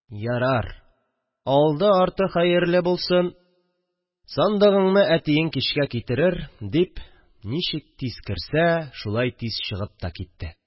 – ярар, алды-арты хәерле булсын, сандыгыңны әтиен кичкә китерер, – дип, ничек тиз керсә, шулай тиз чыгып та китте